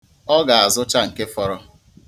Ọ ga-azụcha nke fọrọ.